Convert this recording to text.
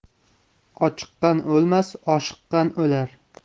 ochiqqan o'lmas oshiqqan o'lar